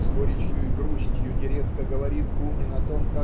С горечью и грустью нередко говорит Бунин о том